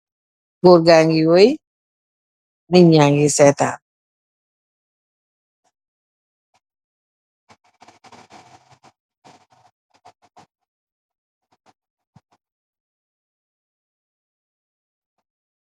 Goor gaangi wëy, nit ñangi seetan